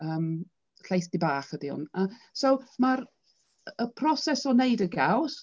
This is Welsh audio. Yym llaethdy bach ydy hwnna. So ma'r y y proses o wneud y gaws...